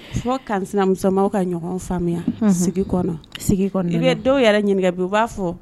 Fo ka sinamuso ka ɲɔgɔn faamuya sigi kɔnɔ sigi i bɛ dɔw yɛrɛ ɲininka u b'a fɔ